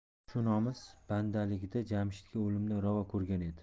shu nomus bandiligida jamshidga o'limni ravo ko'rgan edi